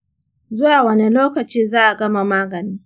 zuwa wani lokaci za'a gama maganin?